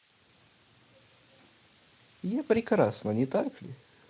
я прекрасна не так ли